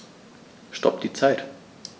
Stopp die Zeit